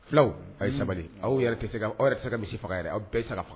Filaw a ye sabali aw yɛrɛ tɛ se ka misi faga yɛrɛ aw bɛɛ saga faga.